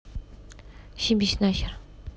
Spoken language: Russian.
съебись нахер